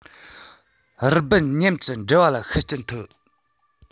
རི པིན མཉམ གྱི འབྲེལ བ ལ ཤུགས རྐྱེན ཐོབ